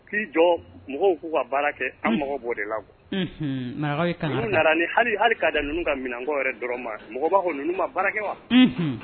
K'i jɔ mɔgɔw'u ka baara kɛ an mɔgɔ bɔ de la kuwa nana ni hali ka da ninnu ka minɛnkɔ dɔrɔn mɔgɔ ninnu ma baara kɛ wa